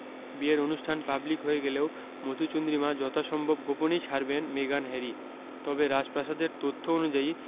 বিয়ের অনুষ্ঠান পাবলিক হয়ে গেলেও মধুচন্দ্রিমা যথাসম্ভব গোপনেই সারবেন মেগান হ্যারি তবে রাজপ্রাসাদের তথ্য অনুযায়ী